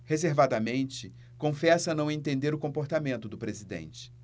reservadamente confessa não entender o comportamento do presidente